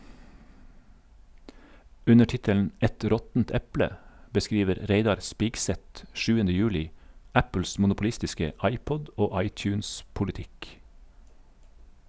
Under tittelen "Et råttent eple" beskriver Reidar Spigseth 7. juli Apples monopolistiske iPod- og iTunes-politikk.